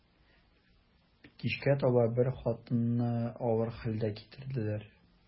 Кичкә таба бер хатынны авыр хәлдә китерделәр.